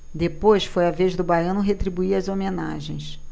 depois foi a vez do baiano retribuir as homenagens